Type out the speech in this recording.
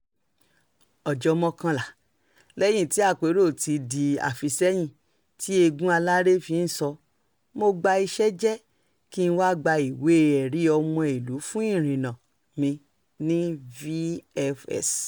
ọjọ́ mọ́kànlá lẹ́yìn tí àpérò ti di àfìsẹ́yìn ti eégún aláré ń fiṣọ, mo gba iṣẹ́-ìjẹ́ kí n wá gba ìwé-ẹ̀rí-ọmọìlú-fún-ìrìnnà mi ní VFS.